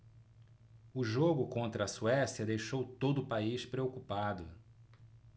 o jogo contra a suécia deixou todo o país preocupado